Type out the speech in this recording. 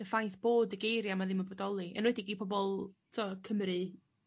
...y ffaith bod y geiria' ma' ddim yn bodoli enwedig i pobol t'o' Cymry